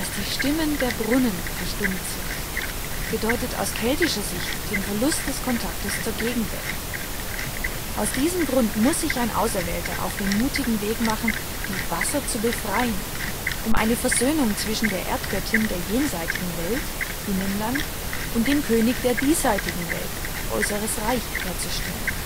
die " Stimmen der Brunnen " verstummt sind, bedeutet aus keltischer Sicht den Verlust des Kontaktes zur Gegenwelt. Aus diesem Grund muss sich ein Auserwählter auf den mutigen Weg machen, die " Wasser zu befreien ", um eine Versöhnung zwischen der Erdgöttin der jenseitigen Welt (Innenland) und dem König der diesseitigen Welt (äußeres Reich) herzustellen